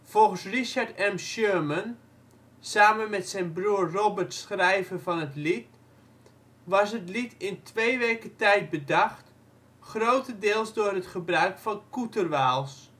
Volgens Richard M. Sherman, samen met zijn broer Robert schrijver van het lied, was het lied in twee weken tijd bedacht, grotendeels door het gebruik van Koeterwaals